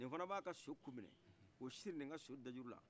nin fana b' a ka so ku minɛ k' o siri nin ka so dajuru la